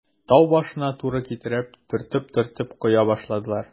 Тау башына туры китереп, төртеп-төртеп коя башладылар.